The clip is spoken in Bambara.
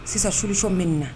Sisan sliso mɛn na